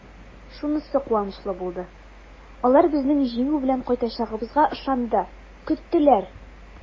Шунысы куанычлы булды: алар безнең җиңү белән кайтачагыбызга ышанды, көттеләр!